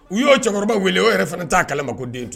U y'o cɛkɔrɔba wele o yɛrɛ fana t'a kala ma ko den tun